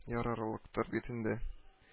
Ярарлыктыр бит инде